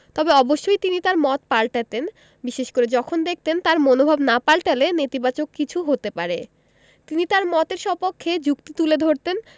তবে অবশ্যই তিনি তাঁর মত পাল্টাতেন বিশেষ করে যখন দেখতেন তাঁর মনোভাব না পাল্টালে নেতিবাচক কিছু হতে পারে তিনি তাঁর মতের সপক্ষে যুক্তি তুলে ধরতেন